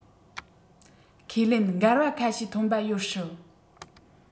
ཁས ལེན འགལ བ ཁ ཤས ཐོན པ ཡོད སྲིད